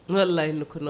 wallay no ko no